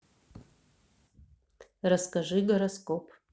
расскажи гороскоп